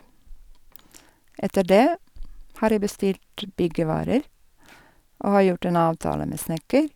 Etter det har jeg bestilt byggevarer og har gjort en avtale med snekker.